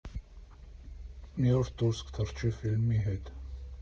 Մի օր դուրս կթռչի ֆիլմի հետ։